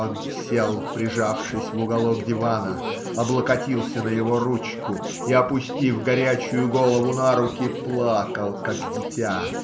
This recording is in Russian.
он сел, прижавшись в уголок дивана, облокотился на его ручку и, опустив горячую голову на руки, плакал как дитя.